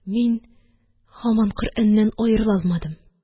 Мин һаман Коръәннән аерыла алмадым.